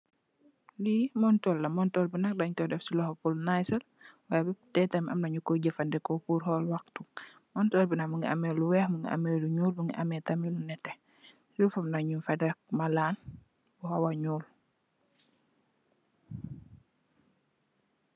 Li Montorr la, montorr bi nag pur mu nice sal tè tamit am nu ko jafadeko pur hol wahtu. Montorr bi nag mungi ameh lu weeh, mungi ameh lu ñuul, mungi ameh tamit lu nète. Sufam nak nung fa def malan bi hawa ñuul.